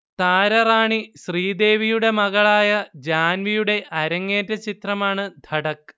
താരറാണി ശ്രീദേവിയുടെ മകളായ ജാൻവിയുടെ അരങ്ങേറ്റ ചിത്രമാണ് ധഡക്